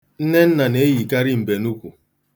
Nnenna na-eyikari mbenuukwu.